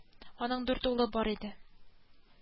Аның дүрт улы бар иде